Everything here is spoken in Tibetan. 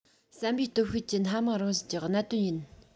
བསམ པའི སྟོབས ཤུགས ཀྱི སྣ མང རང བཞིན གྱི གནད དོན ཡིན